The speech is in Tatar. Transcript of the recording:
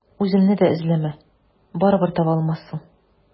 Үземне дә эзләмә, барыбер таба алмассың.